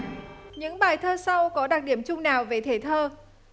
những bài thơ sau có đặc điểm chung nào về thể thơ